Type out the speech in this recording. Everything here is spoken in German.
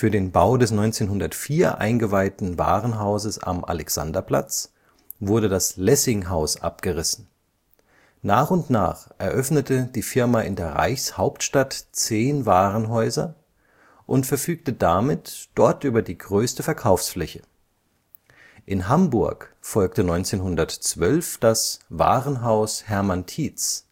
den Bau des 1904 eingeweihten Warenhauses am Alexanderplatz wurde das Lessinghaus abgerissen. Nach und nach eröffnete die Firma in der Reichshauptstadt zehn Warenhäuser und verfügte damit dort über die größte Verkaufsfläche. In Hamburg folgte 1912 das „ Warenhaus Hermann Tietz